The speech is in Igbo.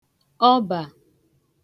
ọbà